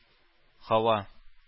Һава